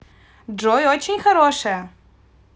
джой очень хорошее